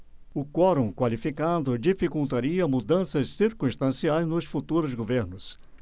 o quorum qualificado dificultaria mudanças circunstanciais nos futuros governos